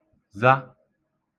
za